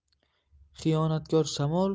xiyonatkor shamol xoinona